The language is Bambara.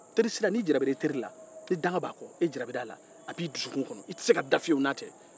n'i jarabira teri daganden na i tɛ se ka da n'a tɛ